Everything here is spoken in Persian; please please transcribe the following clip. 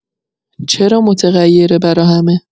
چرا متغیره برا همه؟